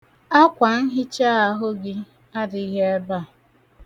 Akwanhichaahụ gị adịghị ebe a.